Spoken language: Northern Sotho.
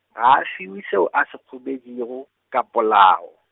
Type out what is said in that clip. ga a fiwe seo a se kgobetšego, ka polao.